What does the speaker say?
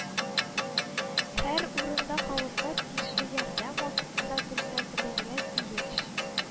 Һәр урында халыкка тиешле ярдәм вакытында күрсәтелергә тиеш